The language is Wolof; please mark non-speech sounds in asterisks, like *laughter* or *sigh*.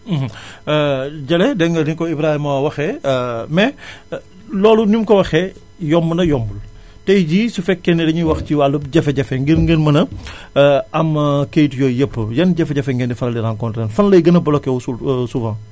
*hesitation* *hesitation* Jalle dégg nga ni ko Ibrahima waxee *hesitation* mais loolu ni mu ko waxee yomb na yombul tay jii su fekkee ni *noise* dañuy wax ci wàllu jafe-jafe ngir ngen mën a *inhales* *hesitation* am kayit yooyu yépp yan jafe-jafe ngeen di faral di rencontré fan lay gën a bloqué woo *hesitation* souvent